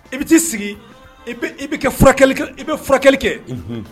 I bɛ t'i sigi i bɛ kɛ furakɛli i bɛ furakɛlikɛ